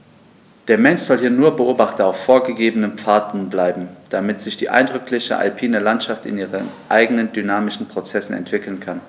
Der Mensch soll hier nur Beobachter auf vorgegebenen Pfaden bleiben, damit sich die eindrückliche alpine Landschaft in ihren eigenen dynamischen Prozessen entwickeln kann.